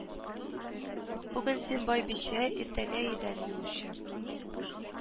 Бүген син байбичә иртәгә идән юучы